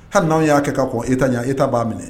Hali n'anw y'a kɛ ka kɔn Etat ɲɛ Etat b'a minɛ